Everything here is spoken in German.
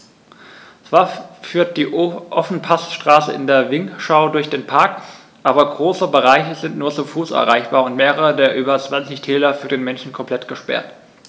Zwar führt die Ofenpassstraße in den Vinschgau durch den Park, aber große Bereiche sind nur zu Fuß erreichbar und mehrere der über 20 Täler für den Menschen komplett gesperrt.